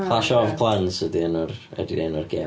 Clash of Clans ydy enw'r ydy enw'r gêm.